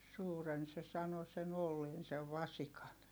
suuren se sanoi sen olleen sen vasikan